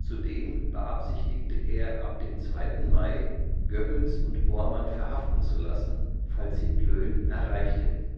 Zudem beabsichtigte er ab dem 2. Mai, Goebbels und Bormann verhaften zu lassen, falls sie Plön erreicht hätten